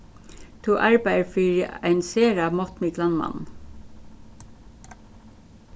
tú arbeiðir fyri ein sera máttmiklan mann